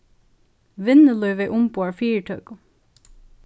vinnulívið umboðar fyritøku